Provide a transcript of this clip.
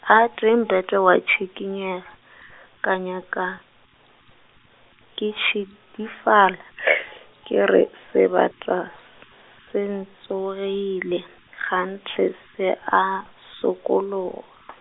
gatee Mpete wa tsikinyega, ka nyaka, ke tšidifala , ke re sebata s- se n- tsogile, kganthe se a sokologa.